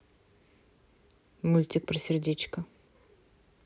мультик про сердечко